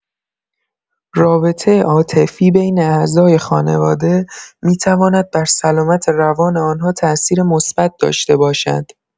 رابطه عاطفی بین اعضای خانواده می‌تواند بر سلامت روان آن‌ها تاثیر مثبت داشته باشد.